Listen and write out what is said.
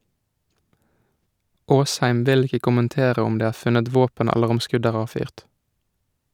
Aasheim vil ikke kommentere om det er funnet våpen eller om skudd er avfyrt.